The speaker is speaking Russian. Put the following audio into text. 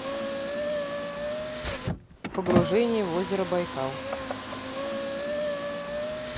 погружение в озеро байкал